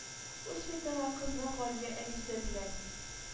Үсми торган кызның галия әнисе белән